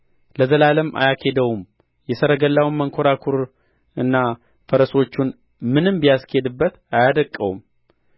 ለዘላለም አያኬደውም የሰረገላውን መንኰራኵርና ፈረሶቹን ምንም ቢያስኬድበት አያደቅቀውም